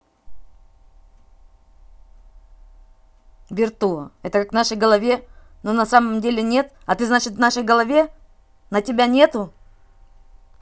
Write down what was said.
virtua это как в нашей голове но на самом деле нет а ты значит в нашей голове на тебя нету